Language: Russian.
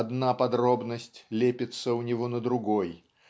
Одна подробность лепится у него на другой